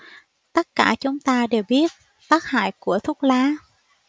tất cả chúng ta đều biết tác hại của thuốc lá